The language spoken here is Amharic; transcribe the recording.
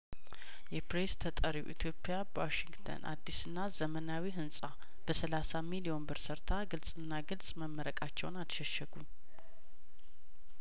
የፕሬስ ተጠሪው ኢትዮፕያ በዋሽንግተን አዲስና ዘመናዊ ህንጻ በሰላሳ ሚሊዮን ብር ሰርታ ግልጽና ግልጽ መመረቃቸውን አልሸሸጉም